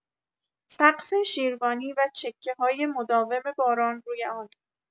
سقف شیروانی و چکه‌های مداوم باران روی آن